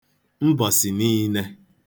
mbọ̀sị̀ niīnē